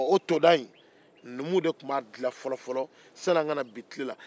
numuw de tun b'o todaga in dila fɔlɔ sani an ka na bi tile